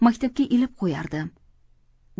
maktabga ilib qo'yardim